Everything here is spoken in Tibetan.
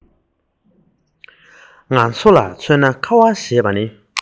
ང ཚོ ལ མཚོན ན ཁ བ ཞེས པ ནི